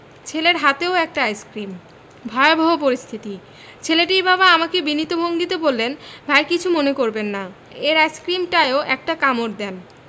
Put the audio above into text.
ছেলের হাতও একটা আইসক্রিম ভয়াবহ পরিস্থিতি ছেলেটির বাবা আমাকে বিনীত ভঙ্গিতে বললেন ভাই কিছু মনে করবেন না এর আইসক্রিমটায়ও একটা কামড় দেন